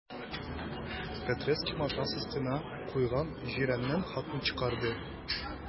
Петрицкий матрац астына куйган җирәннән хатны чыгарды.